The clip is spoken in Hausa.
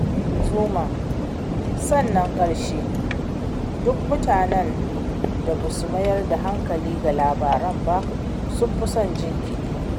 Xuman: Sannan a ƙarshe, duk mutanen da ba su mayar da hankali ga labaran ba sun fi son jin kiɗa.